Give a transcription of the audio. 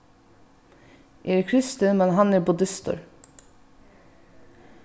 eg eri kristin men hann er buddistur